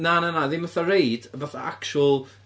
Na na na, ddim fatha reid, y fatha actual...